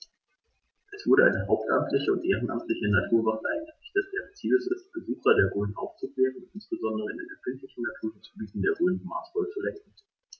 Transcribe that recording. Es wurde eine hauptamtliche und ehrenamtliche Naturwacht eingerichtet, deren Ziel es ist, Besucher der Rhön aufzuklären und insbesondere in den empfindlichen Naturschutzgebieten der Rhön maßvoll zu lenken.